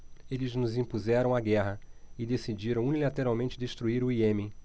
eles nos impuseram a guerra e decidiram unilateralmente destruir o iêmen